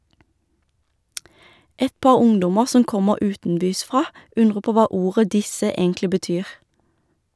Et par ungdommer som kommer utenbysfra undrer på hva ordet disse egentlig betyr.